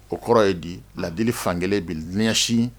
O kɔrɔ ye di ladili fankelen bɛ diɲɛsi in